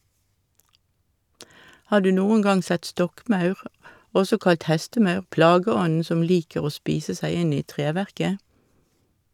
Har du noen gang sett stokkmaur, også kalt hestemaur, plageånden som liker å spise seg inn i treverket?